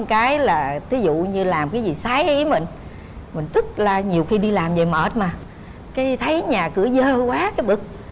cái là thí dụ như là làm cái gì trái ý mình mình tức la nhiều khi đi làm về mệt mà cái thấy nhà cửa dơ quá cái bực